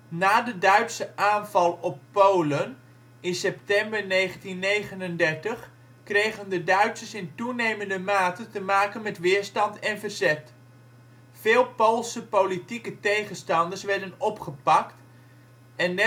Na de Duitse aanval op Polen in september 1939 kregen de Duitsers in toenemende mate te maken met weerstand en verzet. Veel Poolse politieke tegenstanders werden opgepakt, en